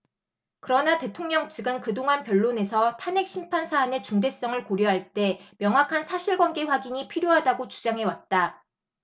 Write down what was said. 그러나 대통령 측은 그동안 변론에서 탄핵심판 사안의 중대성을 고려할 때 명확한 사실관계 확인이 필요하다고 주장해왔다